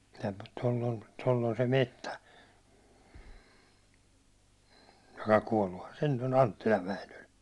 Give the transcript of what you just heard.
ja tuolla on tuolla on se metsä joka kuolluthan se nyt on Anttilan Väinöllä